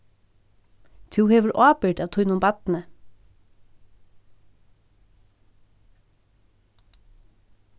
tú hevur ábyrgd av tínum barni